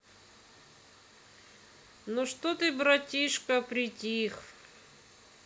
ну что ты братишка притих